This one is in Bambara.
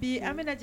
Bi an mi na